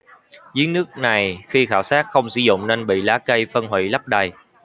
giếng nước này khi khảo sát không sử dụng nên bị lá cây phân hủy lấp đầy